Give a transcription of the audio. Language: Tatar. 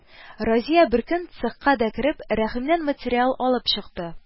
Разия беркөн, цехка да кереп, Рәхимнән материал алып чыкты